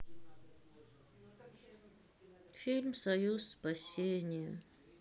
фильм союз спасения